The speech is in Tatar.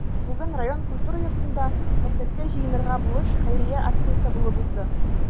Бүген район культура йортында “Мәктәпкә җыенырга булыш” хәйрия акциясе булып узды.